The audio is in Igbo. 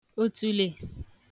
òtùlè